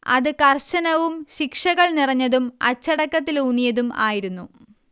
അത് കർശനവും ശിക്ഷകൾ നിറഞ്ഞതും അച്ചടക്കത്തിലൂന്നിയതും ആയിരുന്നു